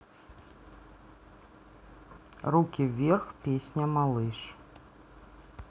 руки вверх песня малыш